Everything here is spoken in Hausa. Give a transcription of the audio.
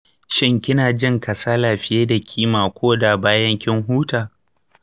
shin kina jin kasala fiye da kima koda bayan kin huta?